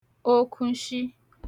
okunshi